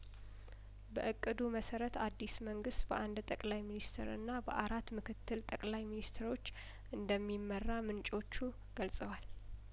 በእቅዱ መሰረት አዲስ መንግስት በአንድ ጠቅለይ ሚንስተር እና በአራት ምክትል ጠቅለይ ሚንስተሮች እንደሚመራ ምንጮቹ ገልጸዋል